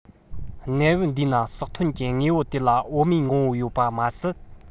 གནས བབ འདིའི ནང ཟགས ཐོན གྱི དངོས པོ དེ ལ འོ མའི ངོ བོ ཡོད པ མ ཟད